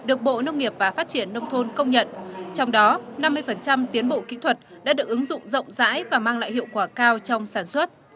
được bộ nông nghiệp và phát triển nông thôn công nhận trong đó năm mươi phần trăm tiến bộ kỹ thuật đã được ứng dụng rộng rãi và mang lại hiệu quả cao trong sản xuất